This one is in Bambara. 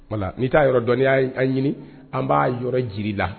Voila n'i taa yɔrɔ dɔn n'i y'an yɔrɔ ɲini an b'a yɔrɔ jir'i la